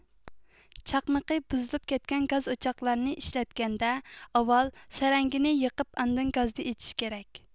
چاقمىقى بۇزۇلۇپ كەتكەن گاز ئوچاقلارنى ئىشلەتكەندە ئاۋال سەرەڭگىنى يېقىپ ئاندىن گازنى ئېچىش كېرەك